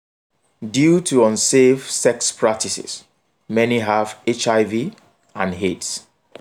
Due to unsafe sex practices, many have HIV and AIDS.